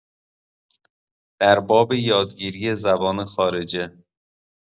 در باب یادگیری زبان خارجه